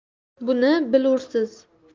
buni bilursiz